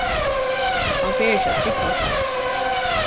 hann fer ikki at trúgva tí